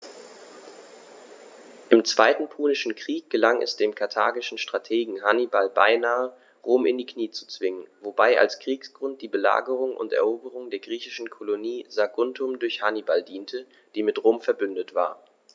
Im Zweiten Punischen Krieg gelang es dem karthagischen Strategen Hannibal beinahe, Rom in die Knie zu zwingen, wobei als Kriegsgrund die Belagerung und Eroberung der griechischen Kolonie Saguntum durch Hannibal diente, die mit Rom „verbündet“ war.